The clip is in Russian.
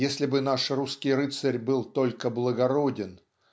если бы наш русский рыцарь был только благороден